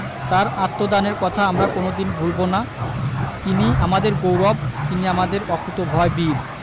তাঁর আত্মদানের কথা আমরা কোনো দিন ভুলব না তিনি আমাদের গৌরব তিনি আমাদের অকুতোভয় বীর